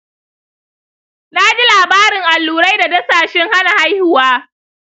naji labarin allurai da dasashin hana haihuwa.